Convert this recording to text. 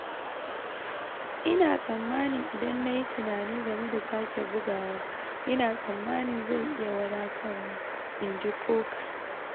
"Ina tsammanin idan na yi tunani game da sake bugawa, ina tsammanin zai iya wadatarwa," in ji Coker.